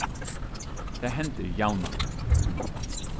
tað hendir javnan